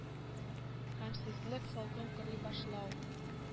Гамьсезлек салкын карый башлау